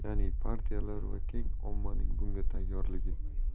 va keng ommaning bunga tayyorligi